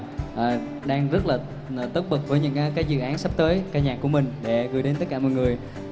và đang rất là tất bật với những cái dự án sắp tới ca nhạc của mình để gửi đến tất cả mọi người